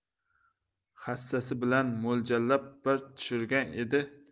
hassasi bilan mo'ljallab bir tushirgan edi